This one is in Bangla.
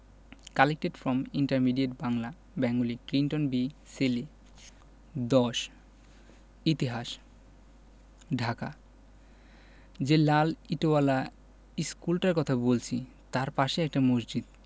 কালেক্টেড ফ্রম ইন্টারমিডিয়েট বাংলা ব্যাঙ্গলি ক্লিন্টন বি সিলি ১০ ইতিহাস ঢাকা যে লাল ইটোয়ালা ইশকুলটার কথা বলছি তাই পাশেই একটা মসজিদ